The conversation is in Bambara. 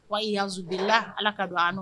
Wa yanzla ala ka don a